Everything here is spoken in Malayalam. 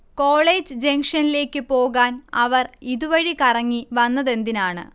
കോളേജ് ജംഗ്ഷനിലേക്ക് പോകാൻഅവർ ഇതു വഴി കറങ്ങി വന്നതെന്തിനാണ്